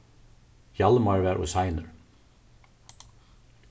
hjalmar var ov seinur